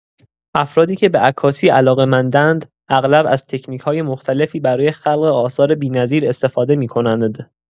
افرادی که به عکاسی علاقه‌مندند، اغلب از تکنیک‌های مختلفی برای خلق آثار بی‌نظیر استفاده می‌کنند.